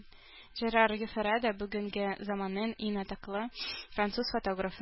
Жерар Юфера да – бүгенге заманның иң атаклы француз фотографы